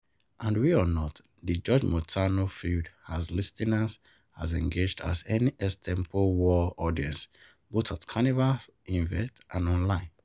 And real or not, the George/Montano feud has listeners as engaged as any extempo wars audience, both at Carnival events and online.